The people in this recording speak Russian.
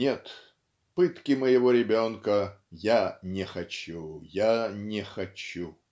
Нет, пытки моего ребенка Я не хочу, я не хочу,